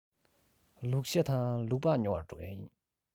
ལུག ཤ དང ལུག ལྤགས ཉོ བར འགྲོ གི ཡིན